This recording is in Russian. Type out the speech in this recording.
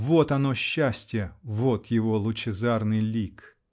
Вот оно, счастье, вот его лучезарный лик!